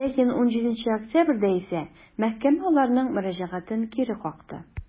Ләкин 17 октябрьдә исә мәхкәмә аларның мөрәҗәгатен кире какты.